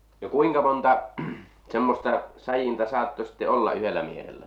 no kuinka monta semmoista sadinta saattoi sitten olla yhdellä miehellä